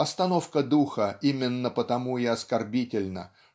Остановка духа именно потому и оскорбительна